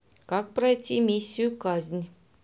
как пройти миссию казнь